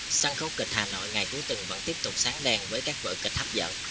sân khấu kịch hà nội ngày cuối tuần vẫn tiếp tục sáng đèn với các vở kịch hấp dẫn